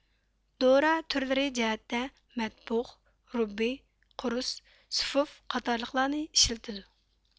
دورا تۈرلىرى جەھەتتە مەتبۇخ رۇببى قۇرس سۇفۇف قاتارلىقلارنى ئىشلىتىدۇ